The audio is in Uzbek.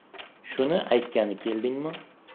shuni aytgani keldingmi